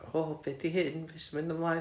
o be 'di hyn? be sy'n mynd ymlaen?